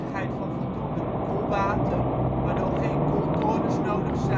koelwater waardoor geen koeltorens nodig